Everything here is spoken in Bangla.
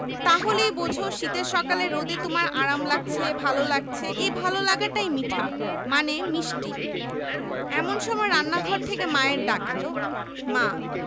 তা হলেই বোঝ শীতের সকালে রোদে তোমার আরাম লাগছে ভালো লাগছে এই ভালো লাগাটাই মিঠা মানে মিষ্টি এমন সময় রান্নাঘর থেকে মায়ের ডাক এলো মা